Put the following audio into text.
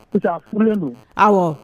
I taa furulen don aw